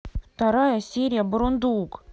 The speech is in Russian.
вторая серия бурундук